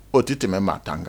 O tɛ tɛmɛ maa tan kan